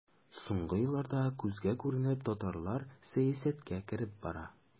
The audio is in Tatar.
Соңгы елларда күзгә күренеп татарлар сәясәткә кереп бара.